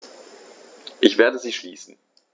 Ich werde sie schließen.